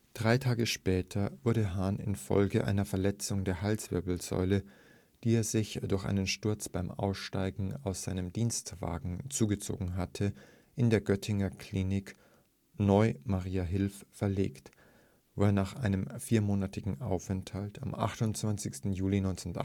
Drei Tage später wurde Hahn infolge einer Verletzung der Halswirbelsäule, die er sich durch einen Sturz beim Aussteigen aus seinem Dienstwagen zugezogen hatte, in die Göttinger Klinik „ Neu Mariahilf “verlegt, wo er nach einem viermonatigen Aufenthalt am 28. Juli 1968